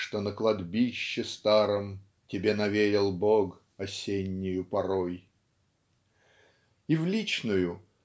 что на кладбище старом тебе навеял Бог осеннею порой". И в личную